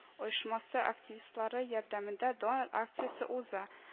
Оешмасы активистлары ярдәмендә донор акциясе уза